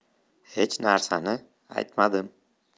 hech narsani aytmadim